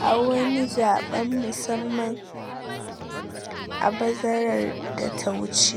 a wani zaben musamman a bazarar da ta wuce.